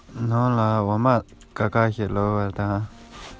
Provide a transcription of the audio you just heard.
ལས དབང གི རྙིའི ཕྱོགས སུ སོང བ ཡིན